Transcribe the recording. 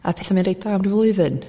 a petha'n mynd reit dda a'm ryw flwyddyn